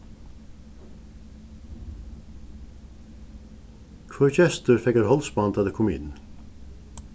hvør gestur fekk eitt hálsband tá tey komu inn